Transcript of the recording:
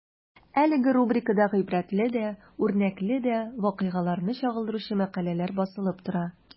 Әлеге рубрикада гыйбрәтле дә, үрнәкле дә вакыйгаларны чагылдыручы мәкаләләр басылып тора.